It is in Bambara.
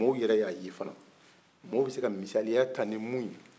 maa yɛrɛ y'a ye fana maa bɛ se ka misaliya ta ni min ye